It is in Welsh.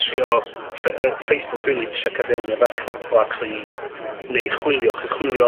trio... Fy- yy Facebook, rili trio ca'l mewn i'r farchnad o ~actually neu' chwilio achos chwilio